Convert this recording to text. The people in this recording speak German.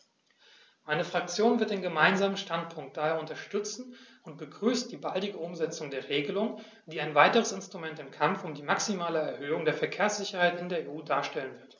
Meine Fraktion wird den Gemeinsamen Standpunkt daher unterstützen und begrüßt die baldige Umsetzung der Regelung, die ein weiteres Instrument im Kampf um die maximale Erhöhung der Verkehrssicherheit in der EU darstellen wird.